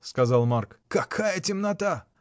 — сказал Марк, — какая темнота!